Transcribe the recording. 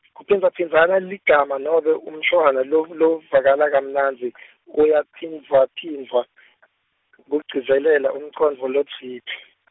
kuphindzaphindza ligama nobe umshwana nalovo- lovakala kamnandzi , uyaphindvwaphindvwa , kugcizelela umcondvo lotsite.